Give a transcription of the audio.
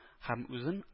Һәм үзен